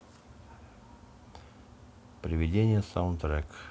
приведение саундтрек